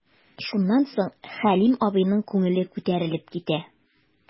Шуннан соң Хәлил абыйның күңеле күтәрелеп китә.